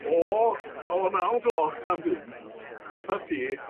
O o naw gloch tan bum fatha ti